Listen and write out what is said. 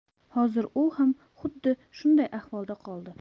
hozir u ham xuddi shunday ahvolda qoldi